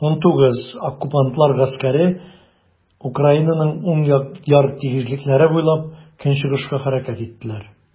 XIX Оккупантлар гаскәре Украинаның уң як яр тигезлекләре буйлап көнчыгышка хәрәкәт иттеләр.